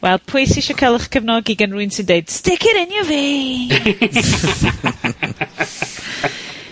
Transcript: Wel, pwy sy isio ca'l 'ych cefnogi gen rywun sy'n deud stick it in your veins.